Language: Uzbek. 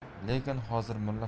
lekin hozir mulla fazliddinning